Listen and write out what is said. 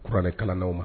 Kuranɛ kala aw ma